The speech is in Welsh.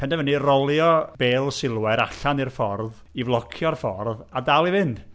Penderfynu rolio bêls silwair allan i'r ffordd, i flocio'r ffordd, a dal i fynd.